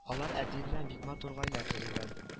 Алар әти белән бик матур гаилә төзегән